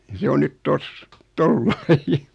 ja se on nyt tuossa tuolla lailla